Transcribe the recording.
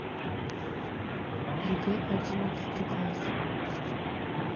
егэ одиннадцатый класс